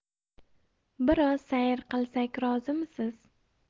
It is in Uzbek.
biroz sayr qilsak rozimisiz